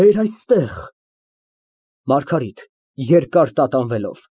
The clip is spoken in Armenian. Բեր այստեղ։ ՄԱՐԳԱՐԻՏ ֊ (Երկար տատանվելով)